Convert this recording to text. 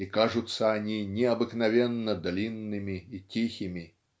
и кажутся они необыкновенно длинными и тихими".